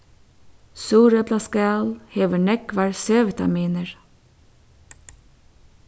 súreplaskal hevur nógvar c-vitaminir